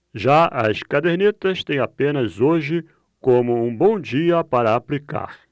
já as cadernetas têm apenas hoje como um bom dia para aplicar